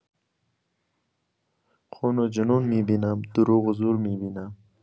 خون و جنون می‌بینم، دروغ و زور می‌بینم.